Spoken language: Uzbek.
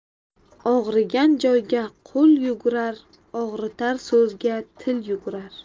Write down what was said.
og'rigan joyga qo'l yugurar og'ritar so'zga til yugurar